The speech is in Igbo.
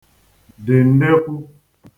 dị̀ nnekwū